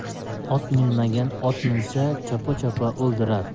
ot minmagan ot minsa chopa chopa o'ldirar